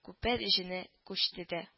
Күпер җене күчте дә